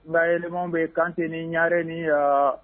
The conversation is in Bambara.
Nka éléments bɛɛ, Kante ni Ɲare ni ɔɔ